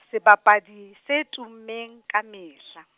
sebapadi, se tummeng ka mehla.